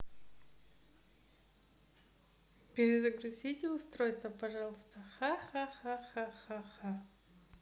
перезагрузите устройство пожалуйста хахахахаха